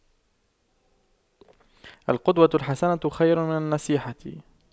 القدوة الحسنة خير من النصيحة